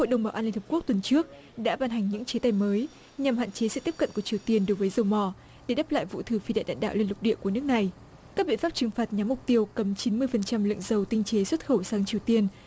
hội đồng bảo an liên hiệp quốc tuần trước đã ban hành những chế tài mới nhằm hạn chế sự tiếp cận của triều tiên đối với dầu mỏ để đáp lại vụ thử phi đạn đạn đạo liên lục địa của nước này các biện pháp trừng phạt nhắm mục tiêu cấm chín mươi phần trăm lượng dầu tinh chế xuất khẩu sang triều tiên